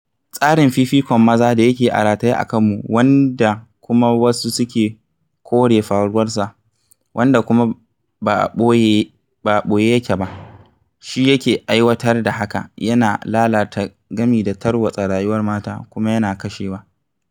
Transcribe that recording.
Tsarin fifikon maza da yake a rataye a kanmu wanda kuma wasu suke kore faruwarsa - wanda kuma ba a ɓoye yake ba - shi yake aiwatar da haka: yana lalata gami da tarwatsa rayuwar mata kuma yana KASHEWA!